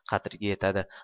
qadriga yetadi